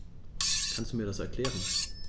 Kannst du mir das erklären?